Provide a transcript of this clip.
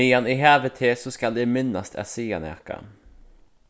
meðan eg havi teg so skal eg minnast at siga nakað